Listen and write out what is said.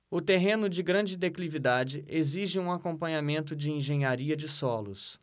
o terreno de grande declividade exige um acompanhamento de engenharia de solos